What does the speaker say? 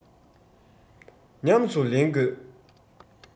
ཉམས སུ ལེན དགོས